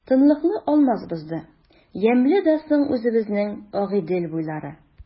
Тынлыкны Алмаз бозды:— Ямьле дә соң үзебезнең Агыйдел буйлары!